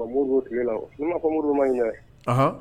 Fa Modibo tile la ne m'a fɔ Modibo ma ni dɛ! Ahan.